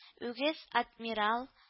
Үгез адмирал